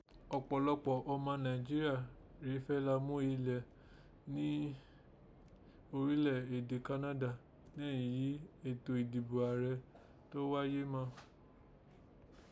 Ọ̀pọ̀lọpọ̀ ọma Nàìjíríà rèé fẹ́ là mú ilé ni orílẹ̀ èdè Kánádà nẹ̀yìn yìí ètò idibo ààrẹ tọ́ gháyé má